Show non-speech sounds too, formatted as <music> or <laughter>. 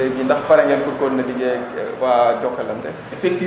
<noise> léegi ndax pare ngeen pour continuer liggéey ak waa Jokalante